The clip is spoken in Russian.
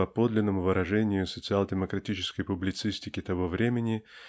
по подлинному выражению социал-демократической публицистики того времени